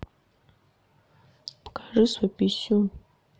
покажи свой писюн